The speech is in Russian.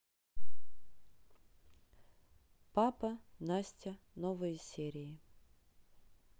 папа настя новые серии